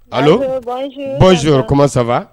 A bɔn zo koma saba